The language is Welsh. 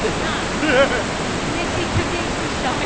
Na, wnes i cyfieithu sioe.